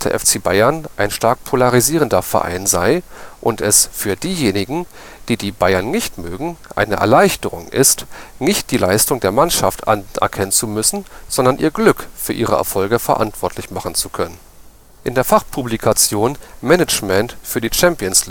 FC Bayern ein stark polarisierender Verein sei und es „ für diejenigen, die die Bayern nicht mögen, […] eine Erleichterung [ist], nicht die Leistung der Mannschaft anerkennen zu müssen, sondern ihr Glück für ihre Erfolge verantwortlich machen zu können. “In der Fachpublikation „ Management für die Champions